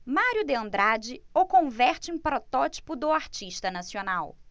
mário de andrade o converte em protótipo do artista nacional